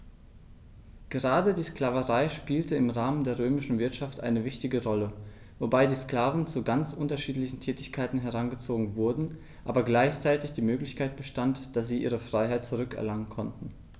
Gerade die Sklaverei spielte im Rahmen der römischen Wirtschaft eine wichtige Rolle, wobei die Sklaven zu ganz unterschiedlichen Tätigkeiten herangezogen wurden, aber gleichzeitig die Möglichkeit bestand, dass sie ihre Freiheit zurück erlangen konnten.